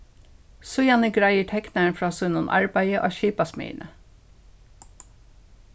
síðani greiðir teknarin frá sínum arbeiði á skipasmiðjuni